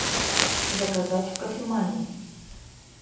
заказать в кофемании